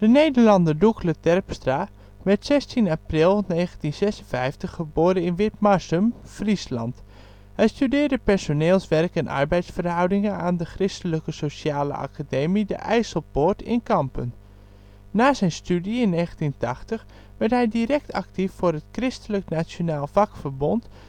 Nederlander Doekle Terpstra werd 16 april 1956 geboren in Witmarsum, Friesland. Hij studeerde Personeelswerk en Arbeidsverhoudingen aan de Christelijke Sociale Academie ‘De IJsselpoort’ in Kampen. Na zijn studie (1980) werd hij direct actief voor het Christelijk Nationaal Vakverbond